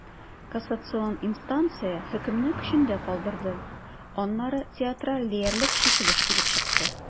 Кассацион инстанция хөкемне көчендә калдырды, аннары театраль диярлек чишелеш килеп чыкты.